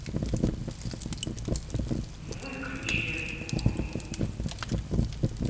выключи эту хуйню